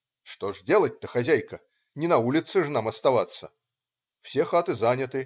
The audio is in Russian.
- "Что же делать-то, хозяйка - не на улице же нам оставаться. Все хаты заняты.